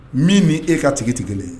Min ni e ka tigi tɛ kelen